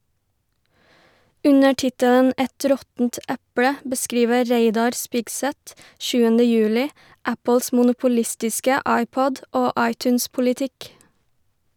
Under tittelen "Et råttent eple" beskriver Reidar Spigseth 7. juli Apples monopolistiske iPod- og iTunes-politikk.